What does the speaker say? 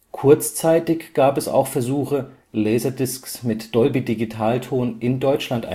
Kurzzeitig gab es auch Versuche, Laserdiscs mit Dolby-Digital-Ton in Deutschland